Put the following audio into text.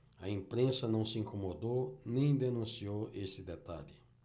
a imprensa não se incomodou nem denunciou esse detalhe